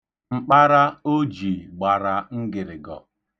Mkpara o ji gbara ngịrịgọ.